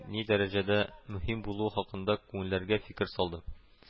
Ни дәрәҗәдә мөһим булуы хакында күңелләргә фикер салды